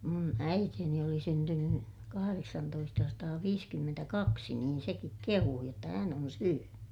minun äitini oli syntynyt kahdeksantoistasataaviisikymmentäkaksi niin sekin kehui jotta hän on syönyt